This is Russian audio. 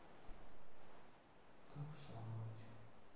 как взломать